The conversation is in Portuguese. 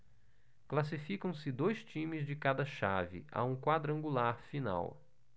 classificam-se dois times de cada chave a um quadrangular final